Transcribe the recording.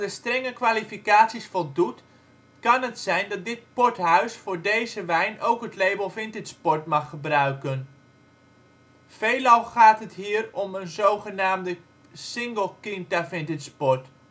strenge kwalificaties voldoet kan het zijn dat dit porthuis voor deze wijn ook het label vintage port mag gebruiken. Veelal gaat het hier om een zogenaamde Single Quinta Vintage Port. De